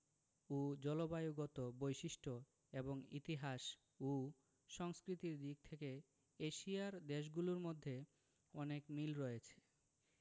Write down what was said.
ও জলবায়ুগত বৈশিষ্ট্য এবং ইতিহাস ও সংস্কৃতির দিক থেকে এশিয়ার দেশগুলোর মধ্যে অনেক মিল রয়েছে